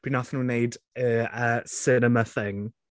Pryd wnaethon nhw wneud y yy cinema thing.